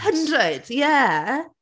Hundred, ie.